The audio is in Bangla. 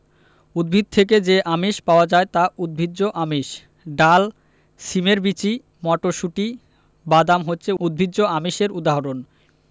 উদ্ভিদ থেকে যে আমিষ পাওয়া যায় তা উদ্ভিজ্জ আমিষ ডাল শিমের বিচি মটরশুঁটি বাদাম হচ্ছে উদ্ভিজ্জ আমিষের উদাহরণ